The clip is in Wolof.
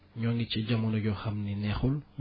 ñoo ngi ci jamono joo xam ne neexul